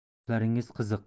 gaplaringiz qiziq